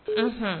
Unhun